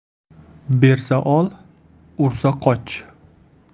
bersa ol ursa qoch